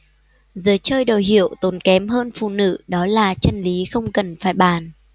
giới chơi đồ hiệu tốn kém hơn phụ nữ đó là chân lý không cần phải bàn